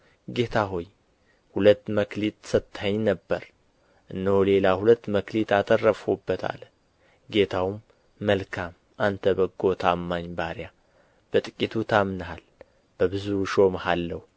ጌታ ሆይ ሁለት መክሊት ሰጥተኸኝ ነበር እነሆ ሌላ ሁለት መክሊት አተረፍሁበት አለ ጌታውም መልካም አንተ በጎ ታማኝም ባሪያ በጥቂቱ ታምነሃል በብዙ እሾምሃለሁ